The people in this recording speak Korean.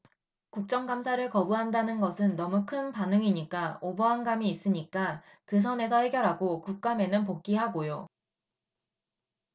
국정 감사를 거부한다는 것은 너무 큰 반응이니까 오버한 감이 있으니까 그 선에서 해결하고 국감에는 복귀하고요